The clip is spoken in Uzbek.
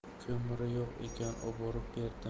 ko'miri yo'q ekan oborib berdim